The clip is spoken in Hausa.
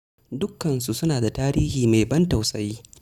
Dukkansu su na da tarihi mai ban tausayi.